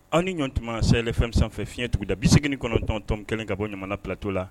Aw ni ɲɔgɔn tunma sayaɛlɛ fɛn0 fiɲɛɲɛ tugun da bi segin kɔnɔntɔntɔn kelen ka bɔ jamana platɔ la